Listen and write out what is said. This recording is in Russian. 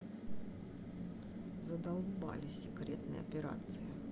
задолбали секретные операции